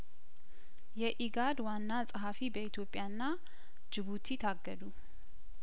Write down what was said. የኢጋድ ዋና ጸሀፊ በኢትዮጵያ ና ጅቡቲ ታገዱ